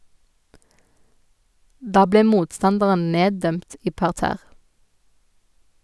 Da ble motstanderen neddømt i parterre.